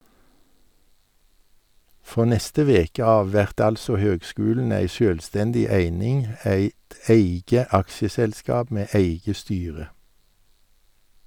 Frå neste veke av vert altså høgskulen ei sjølvstendig eining, eit eige aksjeselskap med eige styre.